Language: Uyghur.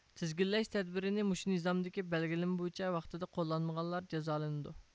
تىزگىنلەش تەدبىرىنى مۇشۇ نىزامدىكى بەلگىلىمە بويىچە ۋاقتىدا قوللانمىغانلار جازالىنىدۇ